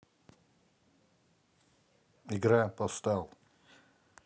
игра постал